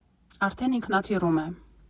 Արդեն ինքնաթիռում է։